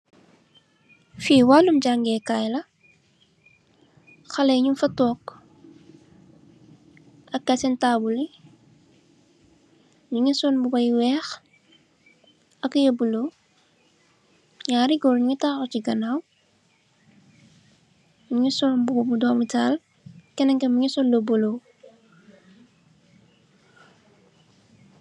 Fee walum jagekay la haleh ye nugfa tonke ak gaye sen taabul ye nuge sol muba yu weex ak yu bulo nyari goor nuge tahaw se ganaw muge sol muba bu dome taal kenenke muge sol lu bulo.